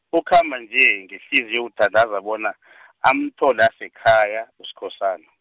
ukhamba nje, ngehliziyo uthandaza bona , amthole asekhaya, Uskhosana.